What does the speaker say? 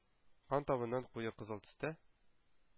Кан табыннан куе кызыл төстә